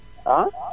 ah